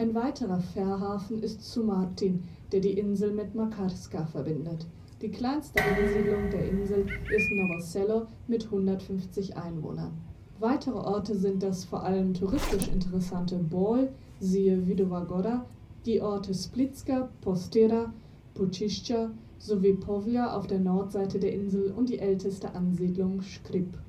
weiterer Fährhafen ist Sumartin, der die Insel mit Makarska verbindet. Die kleinste Ansiedlung der Insel ist Novo Selo mit 150 Einwohnern. Weitere Orte sind das vor allem touristisch interessante Bol (siehe Vidova Gora), die Orte Splitska, Postira, Pučišća sowie Povlja auf der Nordseite der Insel und die älteste Ansiedlung Škrip